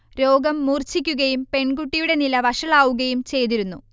രോഗം മൂർഛിക്കുകയും പെൺകുട്ടിയുടെ നില വഷളാവുകയും ചെയ്തിരുന്നു